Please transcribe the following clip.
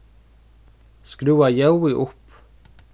skrúva ljóðið upp